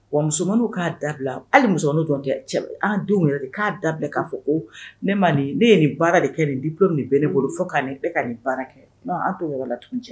Wa musoman k'a dabila hali musomanuw dɔrɔnw tɛ cɛ, an denw yɛrɛ de k'a dabila k'a fɔ ko ne ma nin ne nin baara de kɛ nin diplome bɛ ne bolo fo ka ne ka nin baara kɛ denw yɛrɛ non an t'o yɔrɔ tun cɛ!